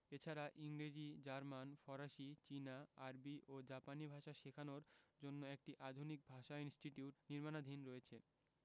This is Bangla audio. এছাড়া ইংরেজি জার্মান ফরাসি চীনা আরবি ও জাপানি ভাষা শেখানোর জন্য একটি আধুনিক ভাষা ইনস্টিটিউট নির্মাণাধীন রয়েছে